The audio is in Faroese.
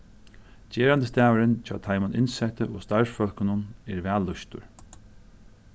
gerandisdagurin hjá teimum innsettu og starvsfólkunum er væl lýstur